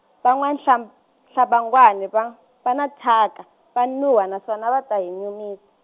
va N'wa-Hlam-, -Hlabangwani va, va na thyaka va nunhwa naswona va ta hi nyumi.